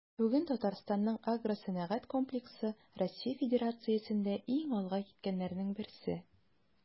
Бүген Татарстанның агросәнәгать комплексы Россия Федерациясендә иң алга киткәннәрнең берсе.